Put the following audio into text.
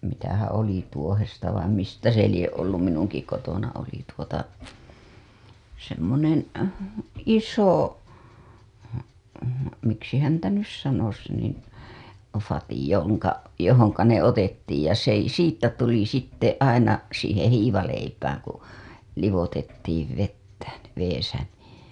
mitähän oli tuohesta vain mistä se lie ollut minunkin kotona oli tuota semmoinen iso miksi häntä nyt sanoisi niin vati jonka johon ne otettiin ja se ei siitä tuli sitten aina siihen hiivaleipään kun liotettiin vettä vedessä niin